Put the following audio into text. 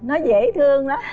nó dễ thương quá